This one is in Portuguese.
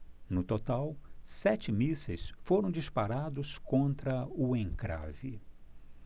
no total sete mísseis foram disparados contra o encrave